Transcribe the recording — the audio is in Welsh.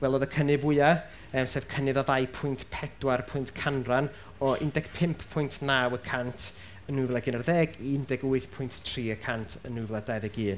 welodd y cynnydd fwya, yy sef cynnydd o ddau pwynt pedwar pwynt canran o un deg pump pwynt naw cant yn nwy fil ag unarddeg i un deg wyth pwynt tri y cant yn nwy fil a dau ddeg un.